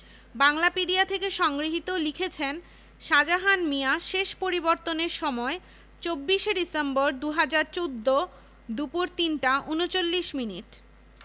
বাংলাপিডিয়া থেকে সংগৃহীত লিখেছেনঃ সাজাহান মিয়া শেষ পরিবর্তনের সময় ২৪ ডিসেম্বর ২০১৪ দুপুর ৩টা ৩৯মিনিট